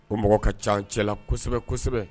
O mɔgɔ ka ca an cɛla kosɛbɛ kosɛbɛ